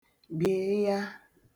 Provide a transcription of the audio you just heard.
bị̀iya